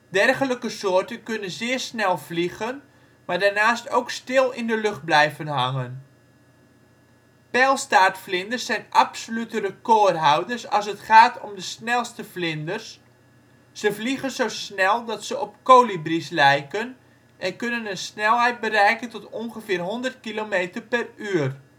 Dergelijke soorten kunnen zeer snel vliegen maar daarnaast ook stil in de lucht blijven hangen. Pijlstaartvlinders zijn absolute recordhouders als het gaat om de snelste vlinders, ze vliegen zo snel dat ze op kolibries lijken en kunnen een snelheid bereiken tot ongeveer 100 kilometer per uur